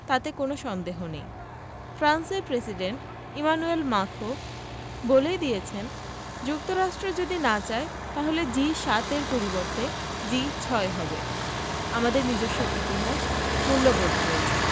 তাতে কোনো সন্দেহ নেই ফ্রান্সের প্রেসিডেন্ট ইমানুয়েল মাখোঁ বলেই দিয়েছেন যুক্তরাষ্ট্র যদি না চায় তাহলে জি ৭ এর পরিবর্তে জি ৬ হবে আমাদের নিজস্ব ইতিহাস মূল্যবোধ রয়েছে